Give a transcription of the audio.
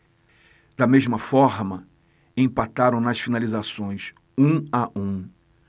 da mesma forma empataram nas finalizações um a um